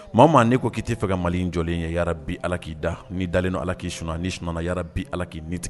Maa maa ne ko k'i' fɛ mali in jɔ ye ya bi ala k'i da ni dalen ala k'i sun ni sunumana ya bi alaki'i ni tigɛ